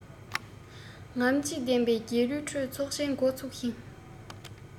རྔམ བརྗིད ལྡན པའི རྒྱལ གླུའི ཁྲོད ཚོགས ཆེན འགོ ཚུགས ཤིང